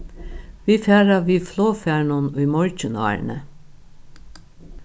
vit fara við flogfarinum í morgin árini